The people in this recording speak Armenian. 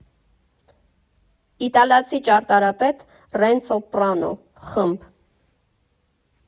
Իտալացի ճարտարապետ Ռենցո Պիանո ֊ խմբ.